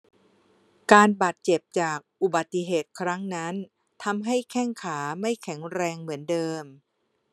การบาดเจ็บจากอุบัติเหตุครั้งนั้นทำให้แข้งขาไม่แข็งแรงเหมือนเดิม